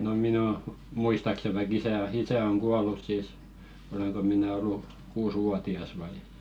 no minä - muistaakseni vaikka isä on isä on kuollut sitten olenko minä ollut kuusivuotias vai